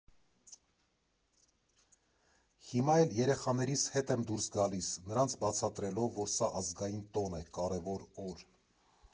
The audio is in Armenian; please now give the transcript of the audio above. Հիմա էլ երեխաներիս հետ եմ դուրս գալիս՝ նրանց բացատրելով, որ սա ազգային տոն է, կարևոր օր։